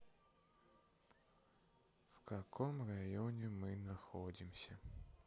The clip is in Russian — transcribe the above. в каком районе мы находимся